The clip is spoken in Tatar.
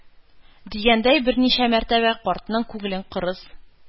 Дигәндәй, берничә мәртәбә картның күңелен кырыс,